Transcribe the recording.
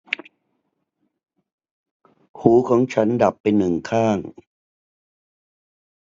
หูของฉันดับไปหนึ่งข้าง